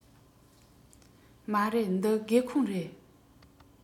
མ རེད འདི སྒེའུ ཁུང རེད